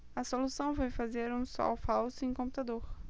a solução foi fazer um sol falso em computador